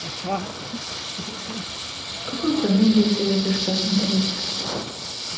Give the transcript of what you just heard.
какую комедию советуешь посмотреть